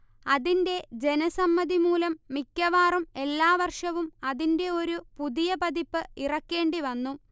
അതിന്റെ ജനസമ്മതിമൂലം മിക്കവാറും എല്ലാവർഷവും അതിന്റെ ഒരു പുതിയപതിപ്പ് ഇറക്കേണ്ടിവന്നു